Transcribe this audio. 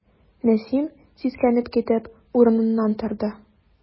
Нәсим, сискәнеп китеп, урыныннан торды.